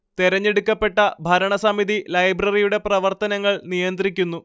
തെരഞ്ഞെടുക്കപ്പെട്ട ഭരണസമിതി ലൈബ്രറിയുടെ പ്രവർത്തനങ്ങൾ നിയന്ത്രിക്കുന്നു